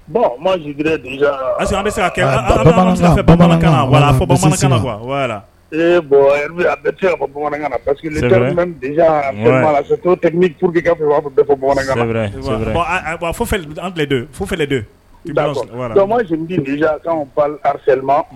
Bon